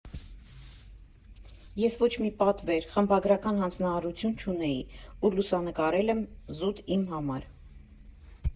Ես որևէ պատվեր, խմբագրական հանձնարարություն չունեի ու լուսանկարել եմ զուտ իմ համար։